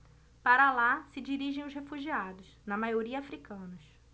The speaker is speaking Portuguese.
para lá se dirigem os refugiados na maioria hútus